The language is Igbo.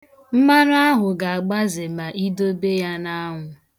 Mmanụ ahụ ga-agbaze ma i dobe ya n'anwụ.